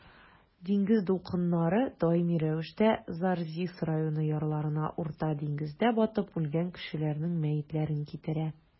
Диңгез дулкыннары даими рәвештә Зарзис районы ярларына Урта диңгездә батып үлгән кешеләрнең мәетләрен китерә.